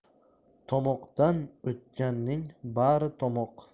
tomoqdan o'tganning bari tomoq